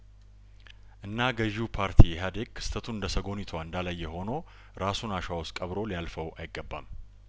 እና ገዥው ፓርቲ ኢህአዴግ ክስተቱን እንደሰ ጐ ኒቷ እንዳላ የሆኖ ራሱን አሸዋ ውስጥ ቀብሮ ሊያልፈው አይገባም